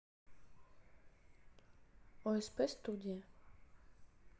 осп студия